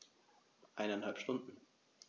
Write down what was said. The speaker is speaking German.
Eineinhalb Stunden